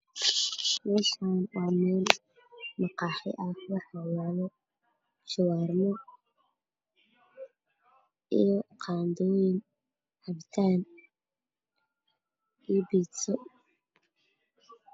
Meeshaan waa meel maqaahi ah waxa yaalo suwaarmi eevkhaandooyin cabitaan iyo biibso.